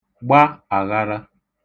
gba àghara